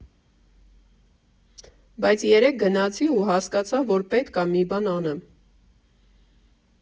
Բայց երեկ գնացի ու հասկացա, որ պետք ա մի բան անեմ։